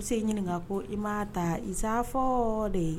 Bi se i ɲiniŋa ko i maa taa i saa fɔɔ de